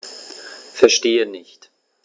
Verstehe nicht.